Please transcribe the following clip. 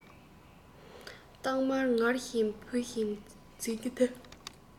སྟག དམར ངར བཞིན བུ བཞིན འཛིན རྒྱུ འདི